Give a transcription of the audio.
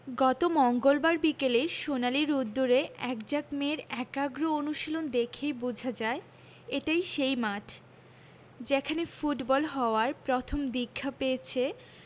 গত মঙ্গলবার বিকেলে সোনালি রোদ্দুরে একঝাঁক মেয়ের একাগ্র অনুশীলন দেখেই বোঝা যায় এটাই সেই মাঠ যেখানে ফুটবল হওয়ার প্রথম দীক্ষা পেয়েছে